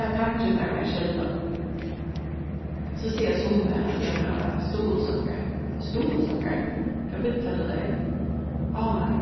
bara tankin fær meg at skelva so siga summi at eg má hava stuðulssokkar stuðulssokkar hvat billar tú tær inn áh nei